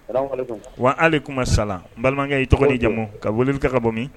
Wa ale kuma sa balimakɛ ye tɔgɔ jama ka wali bɛ taga ka bɔ min